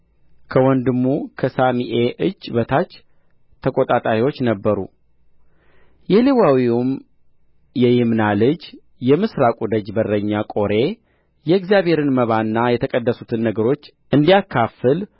ከወንድሙ ከሰሜኢ እጅ በታች ተቈጣጣሪዎች ነበሩ የሌዋዊውም የይምና ልጅ የምሥራቁ ደጅ በረኛ ቆሬ የእግዚአብሔርን መባና የተቀደሱትን ነገሮች እንዲያካፍል